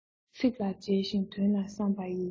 ཚིག ལ མཇལ ཞིང དོན ལ བསམ པ ཡིས